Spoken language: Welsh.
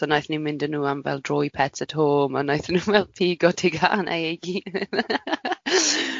So wnaethon ni mynd â nhw am fel dro i Pets at Home, a wnaethon nhw fel pigo tegannau i hunnan .